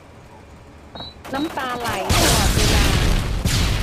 น้ำตาไหลตลอดเวลา